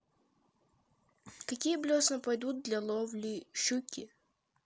какие блесна подойдут для ловли щуки